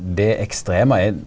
det ekstreme er.